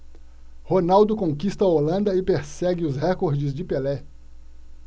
ronaldo conquista a holanda e persegue os recordes de pelé